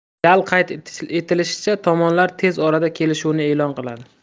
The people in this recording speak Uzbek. real qayd etilishicha tomonlar tez orada kelishuvni e'lon qiladi